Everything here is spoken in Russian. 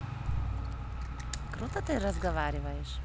круто ты разговариваешь